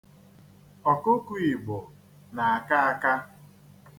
Ọkụkọ Igbo na-aka aka.